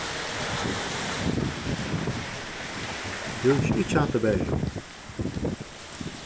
brúkið ikki hatta baðirúmið